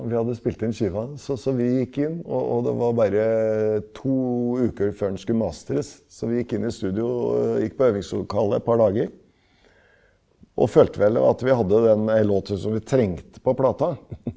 vi hadde spilt inn skiva så så vi gikk inn og og det var bare to uker før den skulle mastres, så vi gikk inn i studio gikk på øvingslokalet et par dager og følte vel at vi hadde den låten som vi trengte på plata.